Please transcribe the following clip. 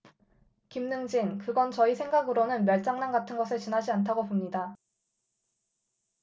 김능진 그건 저희 생각으로는 말장난 같은 것에 지나지 않다고 봅니다